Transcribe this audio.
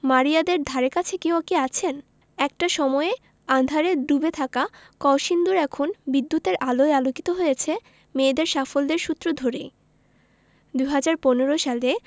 মারিয়াদের ধারেকাছে কেউ কি আছেন একটা সময়ে আঁধারে ডুবে থাকা কলসিন্দুর এখন বিদ্যুতের আলোয় আলোকিত হয়েছে মেয়েদের সাফল্যের সূত্র ধরেই ২০১৫ সালে